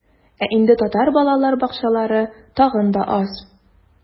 Ә инде татар балалар бакчалары тагын да аз.